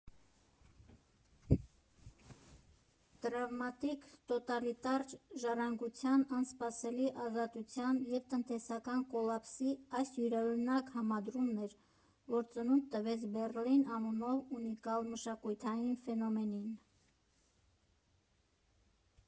Տրավմատիկ տոտալիտար ժառանգության, անսպասելի ազատության և տնտեսական կոլապսի այս յուրօրինակ համադրումն էր, որ ծնունդ տվեց «Բեռլին» անունով ունիկալ մշակութային ֆենոմենին։